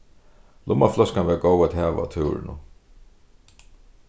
lummafløskan var góð at hava á túrinum